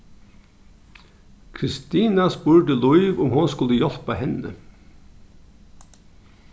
kristina spurdi lív um hon skuldi hjálpa henni